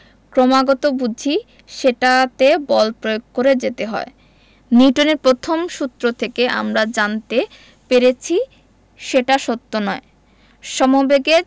ক্রমাগত বুঝি সেটাতে বল প্রয়োগ করে যেতে হয় নিউটনের প্রথম সূত্র থেকে আমরা জানতে পেরেছি সেটা সত্য নয় সমবেগে